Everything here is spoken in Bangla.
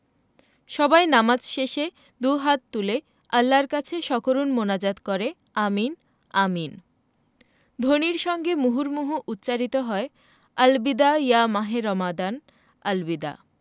সবাই নামাজ শেষে দুহাত তুলে আল্লাহর কাছে সকরুণ মোনাজাত করে আমিন আমিন ধ্বনির সঙ্গে মুহুর্মুহু উচ্চারিত হয় আল বিদা ইয়া মাহে রমাদান আল বিদা